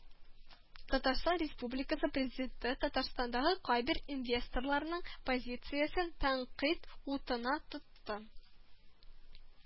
Татарстан Республикасы Президенты Татарстандагы кайбер инвесторларның позициясен тәнкыйть утына тотты